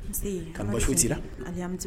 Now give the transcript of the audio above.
Ka bɔ